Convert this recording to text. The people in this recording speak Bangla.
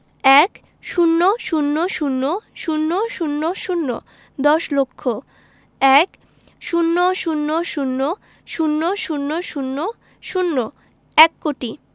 ১০০০০০০ দশ লক্ষ ১০০০০০০০ এক কোটি